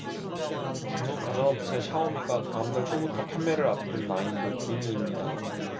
중국 가전업체 샤오미가 다음 달 초부터 판매를 앞둔 나인봇 미니입니다